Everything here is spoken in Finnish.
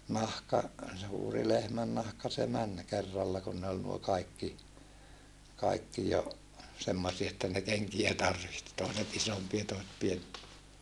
nahka suuri lehmännahka se meni kerralla kun ne oli nuo nuo kaikki kaikki jo semmoisia että ne kenkiä tarvitsi toiset isompia toiset pienempiä